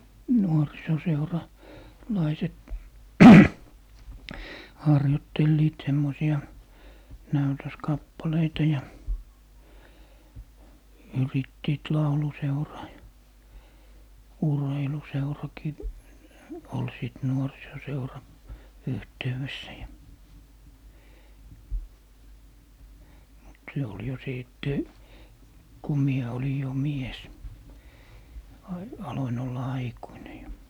- nuorisoseuralaiset harjoittelivat semmoisia näytöskappaleita ja yrittivät lauluseuraa ja urheiluseurakin oli sitten nuorisoseuran yhteydessä ja mutta se oli jo sitten kun minä olin jo mies - aloin olla aikuinen jo